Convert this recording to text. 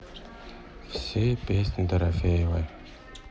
все песни дорофеевой